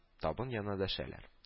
Табын янына дәшәрләр…